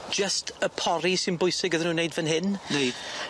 Jyst y pori sy'n bwysig iddyn nw wneud fan hyn, neu?